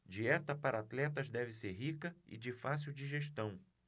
dieta para atletas deve ser rica e de fácil digestão